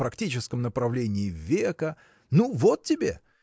о практическом направлении века – ну вот тебе!